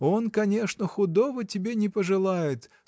Он, конечно, худого тебе не пожелает